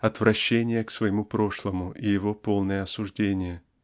отвращение к своему прошлому и его полное осуждение